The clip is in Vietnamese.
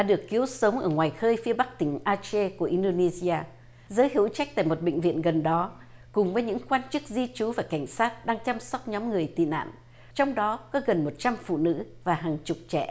đã được cứu sống ở ngoài khơi phía bắc tỉnh a chê của in đô nê xi a giới hữu trách tại một bệnh viện gần đó cùng với những quan chức di trú và cảnh sát đang chăm sóc nhóm người tị nạn trong đó có gần một trăm phụ nữ và hàng chục trẻ em